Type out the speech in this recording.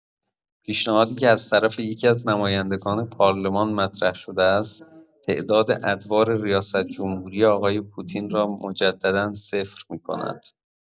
پیشنهادی که از طرف یکی‌از نمایندگان پارلمان مطرح‌شده است تعداد ادوار ریاست‌جمهوری آقای پوتین را «مجددا صفر می‌کند».